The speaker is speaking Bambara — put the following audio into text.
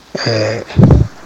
Ɛɛ